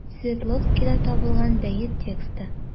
Свердловскида табылган бәет тексты.